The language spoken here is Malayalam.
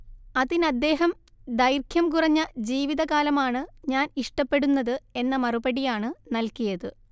അതിനദ്ദേഹം ദൈർഘ്യം കുറഞ്ഞ ജീവിതകാലമാണ്‌ ഞാൻ ഇഷ്ടപ്പെടുന്നത് എന്ന മറുപടിയാണ് നൽകിയത്